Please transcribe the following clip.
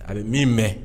A bɛ min mɛn